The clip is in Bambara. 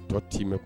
Tɔ t'i mɛn